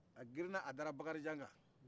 a girinna a dara bakarijan ka